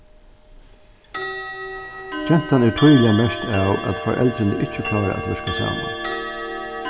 gentan er týðiliga merkt av at foreldrini ikki klára at virka saman